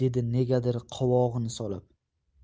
dedi negadir qovog'ini solib